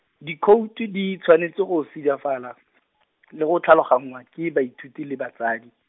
dikhoutu di tshwanetse go sedifala , le go tlhaloganngwa ke baithuti le batsadi.